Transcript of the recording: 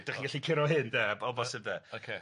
'Dach chi'n gallu curo hyn de o bob- o bosib 'de.. Ocê...